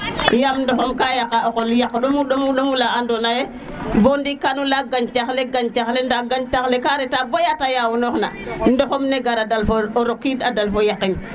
yaam ndoxom ka yaqa o qol yaq ɗomu ɗomu la andona ye ba ndik gan leya gancax la to gancax le gancax le ka reta baya te yaaw noox na ndoxom ne gar dal fo rokid a dal fo yaqin